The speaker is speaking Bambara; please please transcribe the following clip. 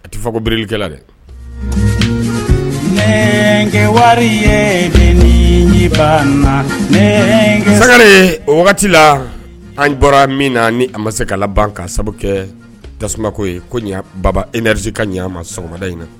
A tɛ fa ko b birilikɛla dɛ wari ye sagagare o wagati la an bɔra min na ni a ma se k' ban ka sababu kɛ tasuma tasumako ye ko baba ereti se ka ɲɛaa ma sɔgɔmada in na